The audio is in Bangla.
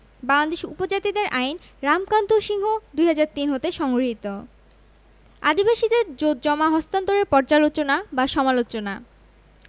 বাংলাদেশের উপজাতিদের আইন রামকান্ত সিংহ ২০০৩ হতে সংগৃহীত আদিবাসীদের জোতজমা হন্তান্তরের পর্যালোচনা বা সমালোচনা